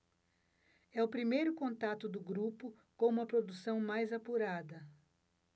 é o primeiro contato do grupo com uma produção mais apurada